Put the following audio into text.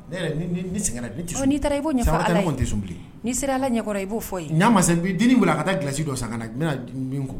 Ne n'i taara i'o tɛ sun bilen n'i sera la ɲɛkɔrɔ i b'o fɔ ɲa ma b'i diini wili a ka taa gasi don san ka na bɛna min